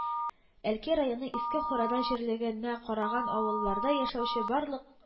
Әлки районы Иске Хурада җирлегенә караган авылларда яшәүче барлык